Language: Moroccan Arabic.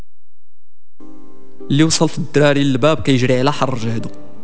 لو وصلت اريل بابك جريل حرج هدوء